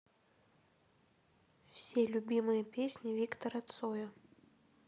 все любимые песни виктора цоя